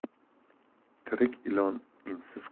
tirik ilon insiz